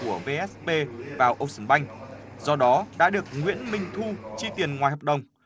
của vê ét pê vào ô xừn banh do đó đã được nguyễn minh thu chi tiền ngoài hợp đồng